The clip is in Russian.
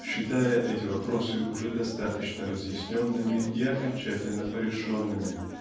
считая эти вопросы уже достаточно разъясненными и окончательно порешенными